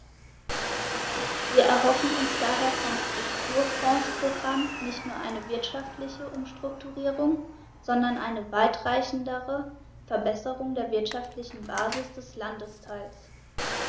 Wir erhoffen uns daher vom Strukturfondsprogramm nicht nur eine wirtschaftliche Umstrukturierung, sondern eine weitreichendere Verbesserung der wirtschaftlichen Basis des Landesteils.